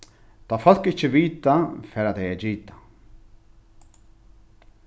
tá fólk ikki vita fara tey at gita